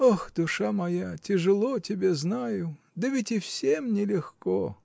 Ох, душа моя, тяжело тебе, знаю; да ведь и всем не легко.